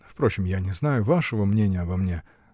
впрочем, я не знаю вашего мнения обо мне